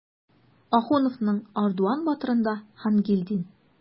Ахуновның "Ардуан батыр"ында Хангилдин.